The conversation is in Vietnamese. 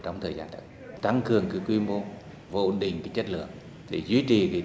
trong thời gian tới tăng cường quy mô và ổn định cái chất lượng để duy trì